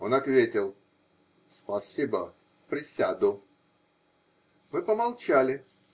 Он ответил: -- Спасибо, присяду. Мы помолчали.